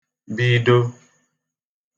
bido